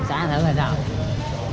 xã ăn thử coi sao